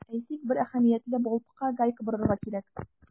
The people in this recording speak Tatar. Әйтик, бер әһәмиятле болтка гайка борырга кирәк.